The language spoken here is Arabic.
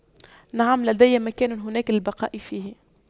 نعم لدي مكان هناك للبقاء فيه